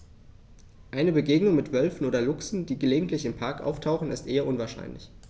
Eine Begegnung mit Wölfen oder Luchsen, die gelegentlich im Park auftauchen, ist eher unwahrscheinlich.